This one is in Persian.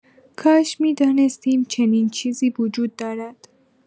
کاش می‌دانستیم چنین چیزی وجود دارد.